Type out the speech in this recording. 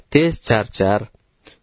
tez charchar